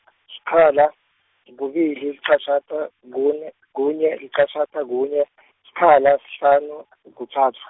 sikhala, kubili, licashata, kune kunye licashata, kune , sikhala sihlanu , kutfatfu.